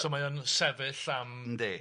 So mae o'n sefyll am... Yndy...